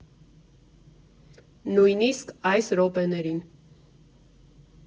Նույնիսկ այս րոպեներին։